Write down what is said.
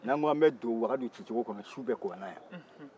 n'an k'an bɛ don wagadu ci cogo kɔnɔ su bɛ k'an na ya